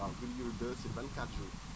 waaw virgule 2 sur 24 jours